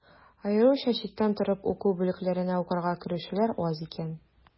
Аеруча читтән торып уку бүлекләренә укырга керүчеләр аз икән.